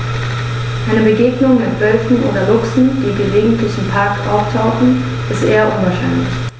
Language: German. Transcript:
Eine Begegnung mit Wölfen oder Luchsen, die gelegentlich im Park auftauchen, ist eher unwahrscheinlich.